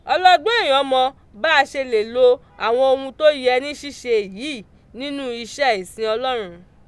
Ọlọ́gbọ́n èèyàn mọ bá a ṣe lè lo àwọn ohun tó yẹ ní ṣíṣe yìí nínú iṣẹ́ ìsìn Ọlọ́run.